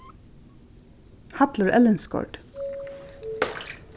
hallur ellingsgaard